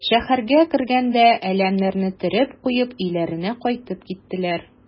Шәһәргә кергәндә әләмнәрне төреп куеп өйләренә кайтып киттеләр.